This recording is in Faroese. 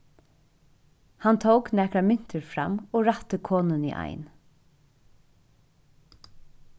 hann tók nakrar myntir fram og rætti konuni ein